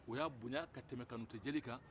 u y'a bonyan ka tɛmɛ kanutɛ jeli kan